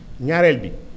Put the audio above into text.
ñaareel bi